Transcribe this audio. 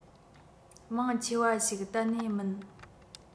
མང ཆེ བ ཞིག གཏན ནས མིན